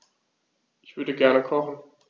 Ich würde gerne kochen.